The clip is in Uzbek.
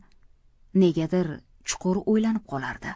negadir chuqur o'ylanib qolardi